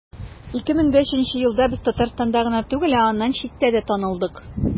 2003 елда без татарстанда гына түгел, ә аннан читтә дә танылдык.